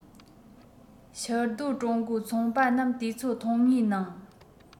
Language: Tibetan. ཕྱིར སྡོད ཀྲུང གོའི ཚོང པ རྣམས དུས ཚོད ཐུང ངུའི ནང